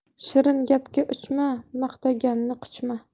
shirin gapga uchma maqtaganni quchma